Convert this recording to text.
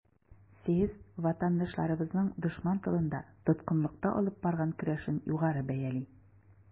Съезд ватандашларыбызның дошман тылында, тоткынлыкта алып барган көрәшен югары бәяли.